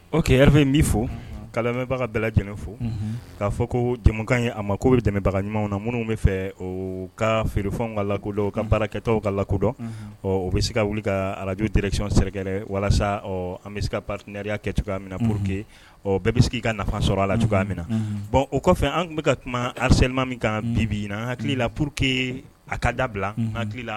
Ɔ ke yɛrɛ min bɛ fo kalamɛbaga dala lajɛlen fo k'a fɔ ko jamukan ye a ma ko bɛ tɛmɛbaga ɲumanw na minnu bɛ fɛ o ka feerefɛnw ka la kodɔn ka baarakɛtɔw ka lakodɔn ɔ o bɛ se ka wuli ka arajorec sɛɛrɛ walasa ɔ an bɛ se ka pa-inare kɛ cogoya min na pur que ɔ bɛɛ bɛ sigi i ka sɔrɔ a la cogoya min na bɔn o kɔfɛ an tun bɛ ka kuma alislima min kan bibi na hakili la pur que a ka dabila hakili la